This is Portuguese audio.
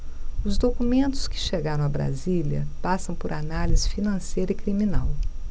os documentos que chegaram a brasília passam por análise financeira e criminal